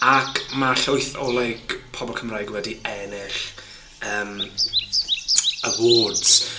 Ac, mae llwyth o like pobl Cymraeg wedi ennill yym awards.